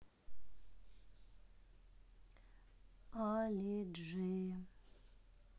али джи